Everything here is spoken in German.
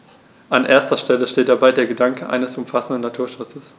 An erster Stelle steht dabei der Gedanke eines umfassenden Naturschutzes.